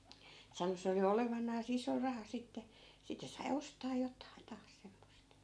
sanoi se oli olevinansa iso raha sitten sitten sai ostaa jotakin taas semmoista